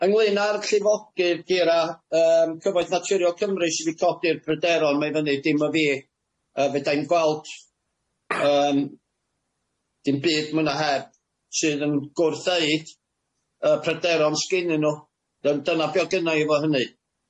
Ynglŷn â'r llifogydd Gira yym cyfoeth naturiol Cymru sydd 'di codi'r pryderon 'ma i fyny dim y fi yy fedra i'm gweld yym dim byd mwy na heb sydd yn gwrdd âid y pryderon s'gennyn n'w dy- dyna be o'dd gynna i efo hynny.